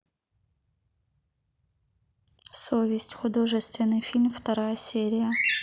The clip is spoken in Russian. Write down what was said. совесть художественный фильм вторая серия